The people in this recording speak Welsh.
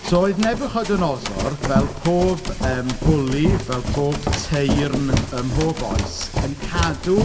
So, oedd Nebiwchodynosor, fel pob, yym, bwli, fel pob teyrn ym mhob oes, yn cadw